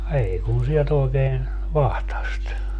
ei kun sieltä oikein vatsasta